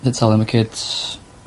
Fi'n talu am y kids